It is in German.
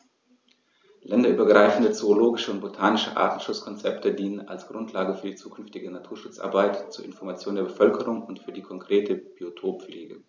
Länderübergreifende zoologische und botanische Artenschutzkonzepte dienen als Grundlage für die zukünftige Naturschutzarbeit, zur Information der Bevölkerung und für die konkrete Biotoppflege.